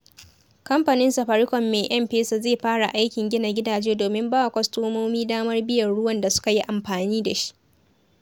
Kamfanin Safaricom mai M-Pesa zai fara aikin gina gidaje domin ba wa kwastomin damar biyan ruwan da suka yi amfani da shi.